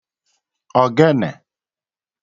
ọ̀gẹnẹ̀